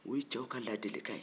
o ye cɛw ka ladilikan ye